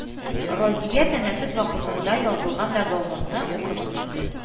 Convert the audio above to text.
Разия тәнәфес вакытында язылган договорны укып китте: